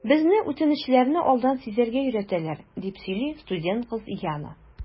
Безне үтенечләрне алдан сизәргә өйрәтәләр, - дип сөйли студент кыз Яна.